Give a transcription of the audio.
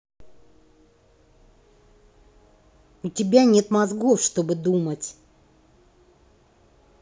у тебя нет мозгов чтобы думать